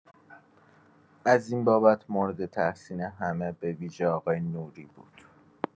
از این بابت مورد تحسین همه، به‌ویژه آقای نوری بود.